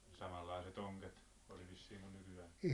samanlaiset onget oli vissiin kuin nykyäänkin